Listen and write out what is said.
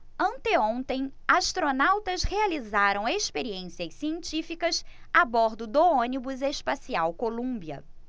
anteontem astronautas realizaram experiências científicas a bordo do ônibus espacial columbia